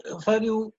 fel ryw...